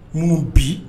Numu bi